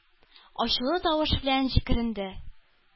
Ачулы тавыш белән җикеренде: -